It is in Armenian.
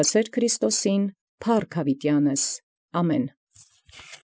Եւ Քրիստոսի մարդասիրին փառք յաւիտեանս. ամէն։